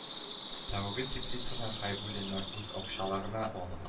Тәүге теплицаны хәйбуллиннар үз акчаларына алыла